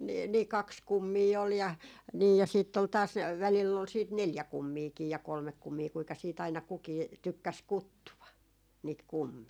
niin niin kaksi kummia oli ja niin ja sitten oli taas välillä oli sitten neljä kummiakin ja kolme kummia kuinka sitten aina kukin tykkäsi kutsua niitä kummeja